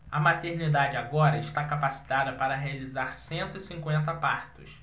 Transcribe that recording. a maternidade agora está capacitada para realizar cento e cinquenta partos